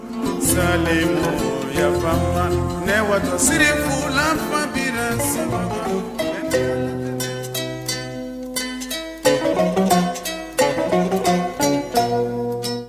Sa ne wa sirikun lakuma min saba